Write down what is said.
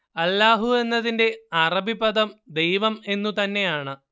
അല്ലാഹു എന്നതിന്റെ അറബി പദം ദൈവം എന്നു തന്നെയാണ്